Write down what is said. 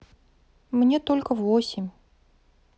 мне только восемь